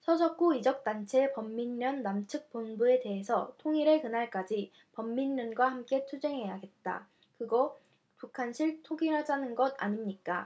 서석구 이적단체 범민련 남측 본부에 대해서 통일의 그날까지 범민련과 함께 투쟁하겠다 그거 북한식 통일하자는 것 아닙니까